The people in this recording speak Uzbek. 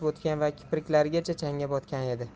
bosib o'tgan va kipriklarigacha changga botgan edi